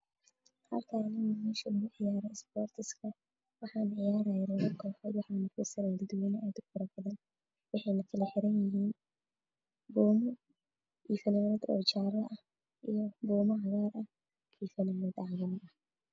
Halakan waxaa iga muuqdo meel hada la dhisayo oo Caro ku dhex shuban thay alwaax lagu bilabayo dhismo oo hada unbay hayd goorma haf